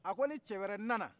a ko ni cɛ wɛrɛ nana